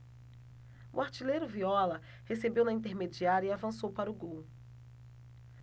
o artilheiro viola recebeu na intermediária e avançou para o gol